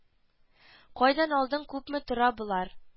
Кайдан алдың күпме тора болар